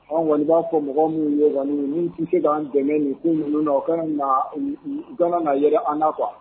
Kɔnii b'a fɔ mɔgɔ minnu ye kɔni ni tɛ se k'an dɛmɛ nin bin minnu na ka ka na yɛrɛ an na kuwa